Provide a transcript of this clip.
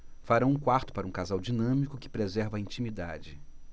farão um quarto para um casal dinâmico que preserva a intimidade